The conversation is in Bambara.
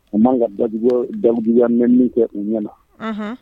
A man kan ka dajuguya mɛn kɛ u ɲɛ na Unhun